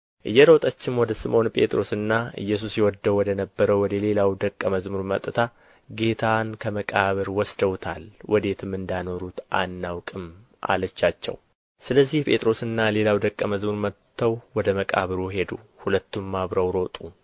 እየሮጠችም ወደ ስምዖን ጴጥሮስና ኢየሱስ ይወደው ወደ ነበረው ወደ ሌላው ደቀ መዝሙር መጥታ ጌታን ከመቃብር ወስደውታል ወዴትም እንዳኖሩት አናውቅም አለቻቸው ስለዚህ ጴጥሮስና